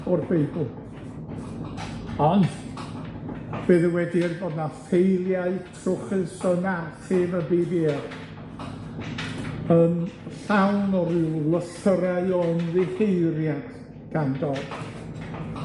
o'r Beibl, ond fe ddywedir bod 'na ffeiliau trwchus yn archif y Bi Bi Ec yn llawn o ryw lythyrau o ymddiheuriad gan Dodd.